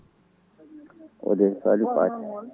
o de ko Salif Paté